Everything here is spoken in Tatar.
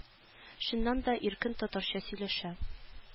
Чыннан да иркен татарча сөйләшә